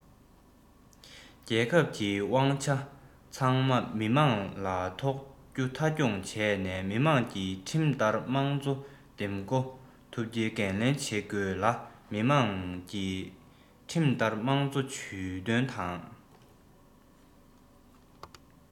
རྒྱལ ཁབ ཀྱི དབང ཆ ཚང མ མི དམངས ལ གཏོགས རྒྱུ མཐའ འཁྱོངས བྱས ནས མི དམངས ཀྱིས ཁྲིམས ལྟར དམངས གཙོ འདེམས བསྐོ ཐུབ རྒྱུའི འགན ལེན བྱེད དགོས ལ མི དམངས ཀྱིས ཁྲིམས ལྟར དམངས གཙོ ཇུས འདོན དང